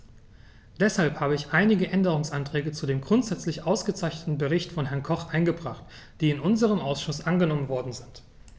Deshalb habe ich einige Änderungsanträge zu dem grundsätzlich ausgezeichneten Bericht von Herrn Koch eingebracht, die in unserem Ausschuss angenommen worden sind.